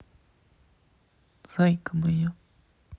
зайка моя